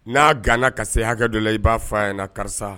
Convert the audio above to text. N'a gana ka se hakɛ dɔ la i b'a fɔ a ɲɛna na karisa